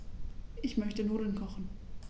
Ich möchte Nudeln kochen.